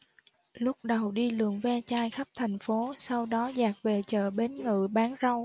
lúc đầu đi lượm ve chai khắp thành phố sau đó dạt về chợ bến ngự bán rau